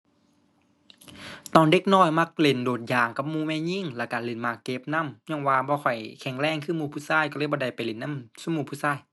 ตอนเด็กน้อยมักเล่นโดดยางกับหมู่แม่หญิง ละก็เล่นหมากเก็บนำ ยังว่าบ่ค่อยแข็งแรงคือหมู่ผู้ก็ ก็เลยบ่ได้ไปเล่นนำซุมหมู่ผู้ก็